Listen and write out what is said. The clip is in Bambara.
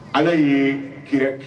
Ala ye kira kɛ